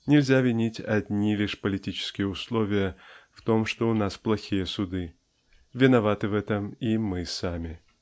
Нельзя винить одни лишь политические условия в том что у нас плохие суды виноваты в этом и мы сами.